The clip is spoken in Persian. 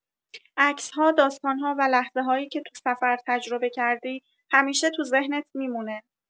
عکس‌ها، داستان‌ها و لحظه‌هایی که تو سفر تجربه کردی، همیشه تو ذهنت می‌مونه.